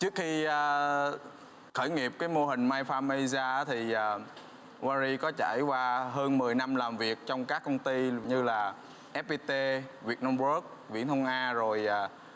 trước khi a khởi nghiệp cái mô hình mai pha mê gia thì gua ri có trải qua hơn mười năm làm việc trong các công ty như là ép pê tê việt nam guốc viễn thông a rồi